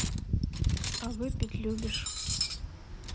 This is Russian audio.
а выпить любишь